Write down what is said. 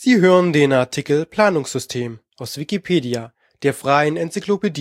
hören den Artikel Planungssystem, aus Wikipedia, der freien Enzyklopädie